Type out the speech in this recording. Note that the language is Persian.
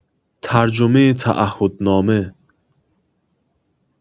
ترجمه تعهدنامه